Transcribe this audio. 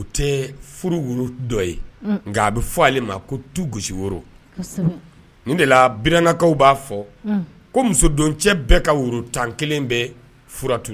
O tɛ furu wolo dɔ ye nka a bɛ fɔ ale ma ko tu gosi woro de binakaw b'a fɔ ko musodencɛ bɛɛ ka woro tan kelen bɛ furutu